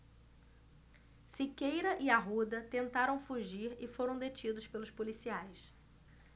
siqueira e arruda tentaram fugir e foram detidos pelos policiais